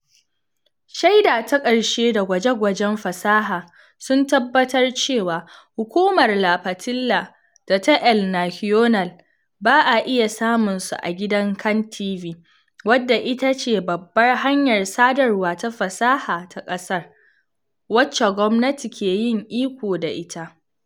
Shaida ta ƙarshe da gwaje-gwajen fasaha sun tabbatar cewa Hukumar La Patilla da ta El Nacional ba a iya samun su a gidan CANTV, wadda ita ce babbar hanyar sadarwa ta fasaha ta ƙasar, wacce gwamnati keyin iko da ita.